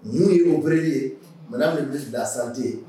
Ɲin ni o bere ye m min bɛ bilasanti ye